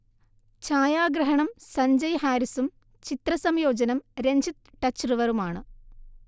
ഛായാഗ്രഹണം സഞ്ജയ് ഹാരിസും ചിത്രസംയോജനം രഞ്ജിത്ത് ടച്ച്റിവറുമാണ്